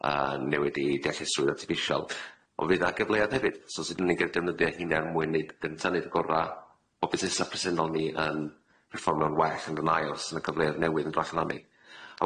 y newid i artiffisial ond fydd 'na gyfleoedd hefyd so sud dani'n ga'l defnyddio heina er mwyn neud gynta neud y gora' o bunesa presennol ni yn perfformio'n well yn y cyfleoedd newydd yn dod allan ohoni.